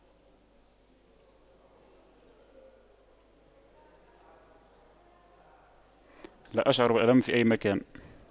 لا أشعر بألم في أي مكان